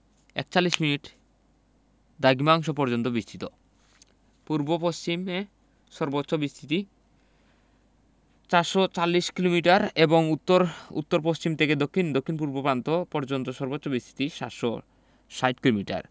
৪১মিনিট দ্রাঘিমাংশ পর্যন্ত বিস্তৃত পূর্ব পশ্চিমে সর্বোচ্চ বিস্তৃতি ৪৪০ কিলোমিটার এবং উত্তর উত্তর পশ্চিম থেকে দক্ষিণ দক্ষিণপূর্ব প্রান্ত পর্যন্ত সর্বোচ্চ বিস্তৃতি ৭৬০ কিলোমিটার